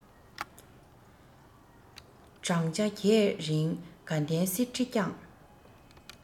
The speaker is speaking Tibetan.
བགྲང བྱ བརྒྱད རིང དགའ ལྡན གསེར ཁྲི བསྐྱངས